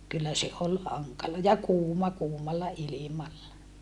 kyllä se oli hankala ja kuuma kuumalla ilmalla